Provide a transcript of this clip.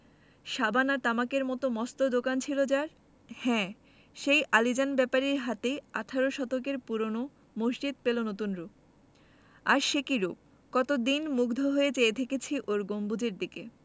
সাবান আর তামাকের মস্ত দোকান ছিল যার হ্যাঁ সেই আলীজান ব্যাপারীর হাতেই আঠারো শতকের পুরোনো মসজিদ পেলো নতুন রুপ আর সে কি রুপ কতদিন মুগ্ধ হয়ে চেয়ে থেকেছি ওর গম্বুজের দিকে